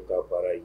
I ka fara yen